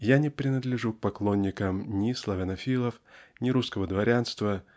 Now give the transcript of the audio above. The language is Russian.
Я не принадлежу к поклонникам ни славянофилов ни русского дворянства